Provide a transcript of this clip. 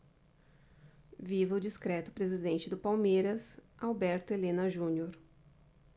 viva o discreto presidente do palmeiras alberto helena junior